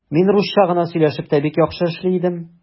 Мин русча гына сөйләшеп тә бик яхшы эшли идем.